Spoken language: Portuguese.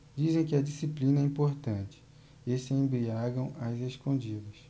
dizem que a disciplina é importante e se embriagam às escondidas